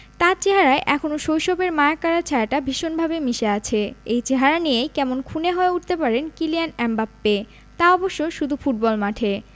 তাঁর চেহারায় এখনো শৈশবের মায়াকাড়া ছায়াটা ভীষণভাবে মিশে আছে এই চেহারা নিয়েই কেমন খুনে হয়ে উঠতে পারেন কিলিয়ান এমবাপ্পে তা অবশ্য শুধু ফুটবল মাঠে